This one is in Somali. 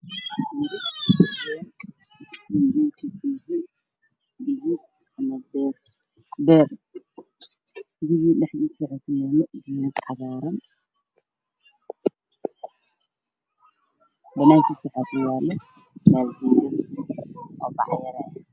Waxaa ii muuqda saddex albaab mid caddaan mid midooday mid qaxwi ah banaanka waxaa ka baxday